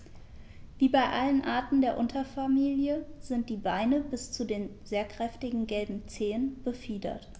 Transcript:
Wie bei allen Arten der Unterfamilie sind die Beine bis zu den sehr kräftigen gelben Zehen befiedert.